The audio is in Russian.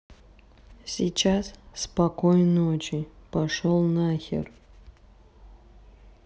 сейчас спокойночи пошел нахер